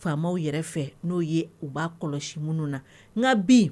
Faamaw yɛrɛ fɛ n'o ye u b'a kɔlɔsi minnu na n nka bin yen